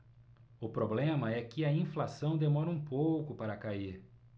o problema é que a inflação demora um pouco para cair